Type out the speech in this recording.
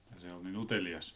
se oli niin utelias